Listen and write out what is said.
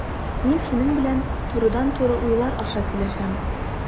Мин синең белән турыдан-туры уйлар аша сөйләшәм.